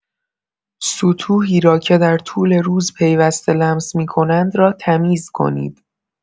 سطوحی را که در طول روز پیوسته لمس می‌کنند را تمیز کنید.